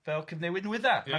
Fel cyfnewid nwyddau... Ia.